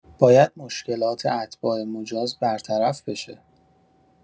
باید مشکلات اتباع مجاز برطرف بشه.